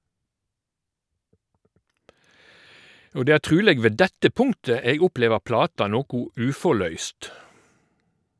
Og det er truleg ved dette punktet eg opplever plata noko uforløyst.